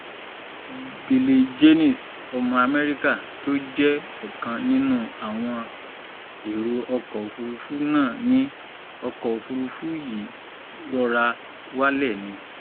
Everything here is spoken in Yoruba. Bill Jaynes, ọmọ Amẹ́ríkà to jẹ́ ọ̀kan nínú àwọn èrò ọkọ̀-òfúrufú náà, ní ọkọ̀-òfúrufú yìí rọra wálẹ̀ ni.